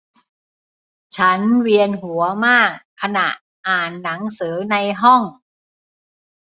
ฉันเวียนหัวมากขณะอ่านหนังสือในห้อง